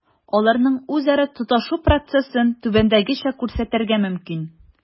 Аларның үзара тоташу процессын түбәндәгечә күрсәтергә мөмкин: